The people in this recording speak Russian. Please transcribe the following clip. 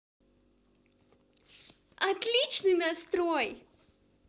отличный настрой